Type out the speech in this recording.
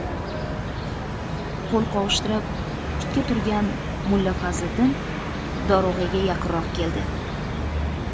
qo'l qovushtirib tikka turgan mulla fazliddin dorug'aga yaqinroq keldi